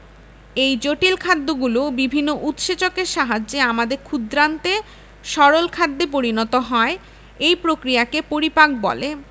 এই জটিল খাদ্যগুলো বিভিন্ন উৎসেচকের সাহায্যে আমাদের ক্ষুদ্রান্তে সরল খাদ্যে পরিণত হয় এই প্রক্রিয়াকে পরিপাক বলে